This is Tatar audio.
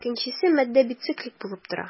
Икенчесе матдә бициклик булып тора.